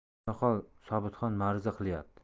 yuraqol sobitxon ma'ruza qilyapti